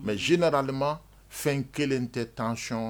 Mɛ ji nadalilima fɛn kelen tɛ taacɔn